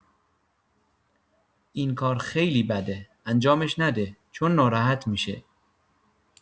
این کار خیلی بده انجامش نده چون ناراحت می‌شه